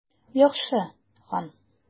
Яхшы, хан.